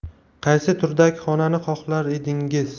qaysi turdagi xonani xohlar edingiz